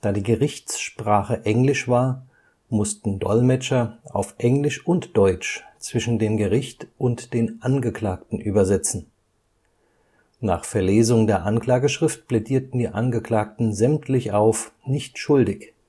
die Gerichtssprache Englisch war, mussten Dolmetscher auf Englisch und Deutsch zwischen dem Gericht und den Angeklagten übersetzen. Nach Verlesung der Anklageschrift plädierten die Angeklagten sämtlich auf „ nicht schuldig